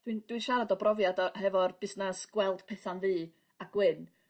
Dwi'n dwi siarad o brofiad o hefo'r busnas gweld petha'n ddu a gwyn.